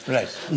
Reit.